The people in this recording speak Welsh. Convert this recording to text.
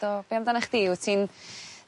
Do. Be' amdanach chdi wt ti'n